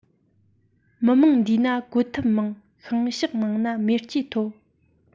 མི མང འདུས ན བཀོད ཐབས མང ཤིང བཤགས མང ན མེ ལྕེ མཐོ